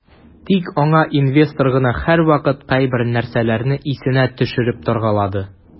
Тик аңа инвестор гына һәрвакыт кайбер нәрсәләрне исенә төшереп торгалады.